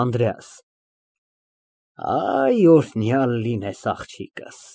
ԱՆԴՐԵԱՍ ֊ Այ, օրհնյալ լինես, աղջիկս։